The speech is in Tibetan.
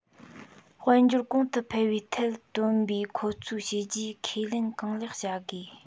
དཔལ འབྱོར གོང དུ སྤེལ བའི ཐད བཏོན པའི ཁོང ཚོའི བྱས རྗེས ཁས ལེན གང ལེགས བྱ དགོས